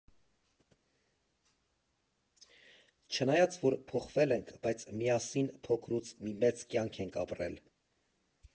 Չնայած որ փոխվել ենք, բայց միասին փոքրուց մի մեծ կյանք ենք ապրել։